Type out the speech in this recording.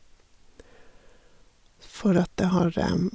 For at jeg har...